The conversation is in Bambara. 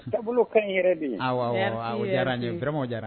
Da kɛ in yɛrɛ diyarama diyara